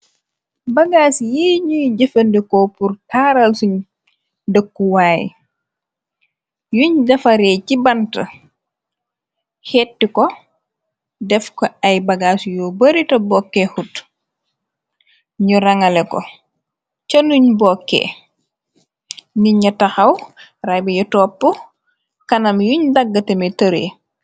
bagaas yi ñuy jëfande ko pur taaral suñ dëkkuwaay yuñ, defaree ci bantë, héttë ko, def ko ay bagaas yu bari ta bokke hut, ñu rangale ko, ca nuñ bokkee. Nit ña taxaw, rab yi topp, kanam yuñ dàggë tamit tëree.